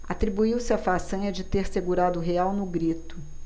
atribuiu-se a façanha de ter segurado o real no grito